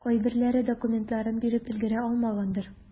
Кайберләре документларын биреп өлгерә алмагандыр.